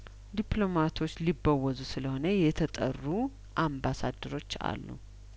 ዲፕሎማቶች ሊበወዙ ስለሆነ የተጠሩ አምባሳደሮች አሉ